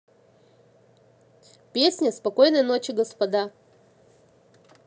песня спокойной ночи господа